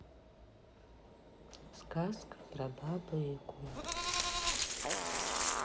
сказка про бабу ягу